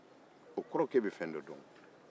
o kɔrɔ ye ko e bɛ fɛn dɔn